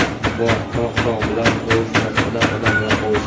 tog' tog' bilan qovushmas odam odam bilan qovushar